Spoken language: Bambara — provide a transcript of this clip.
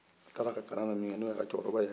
a taar'a ka kalan nan min